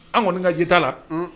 An kɔni ka jita la